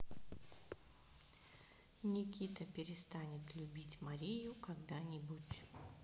никита перестанет любить марию когда нибудь